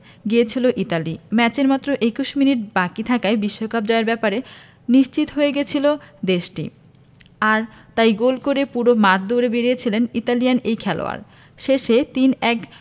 গিয়েছিল ইতালি ম্যাচের মাত্র ২১ মিনিট বাকি থাকায় বিশ্বকাপ জয়ের ব্যাপারে নিশ্চিত হয়ে গিয়েছিল দেশটি আর তাই গোল করেই পুরো মাঠ দৌড়ে বেড়িয়েছিলেন ইতালিয়ান এই খেলোয়াড় শেষে ৩ ১